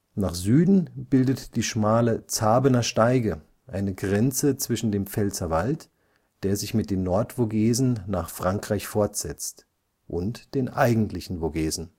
Nach Süden bildet die schmale Zaberner Steige eine Grenze zwischen dem Pfälzerwald, der sich mit den Vosges du Nord (deutsch Nordvogesen) nach Frankreich fortsetzt, und den „ eigentlichen “Vogesen